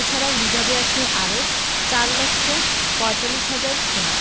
এ ছাড়া রিজার্ভে আছে আরও ৪ লাখ ৪৫ হাজার সেনা